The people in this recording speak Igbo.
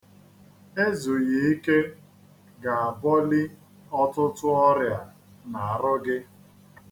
Ezughi ike ga-abọli ọtụtụ ọrịa n'arụ gị.